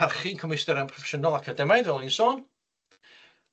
Parchu'n cymwystera'n proffesiynol academaidd fel o'n i'n sôn.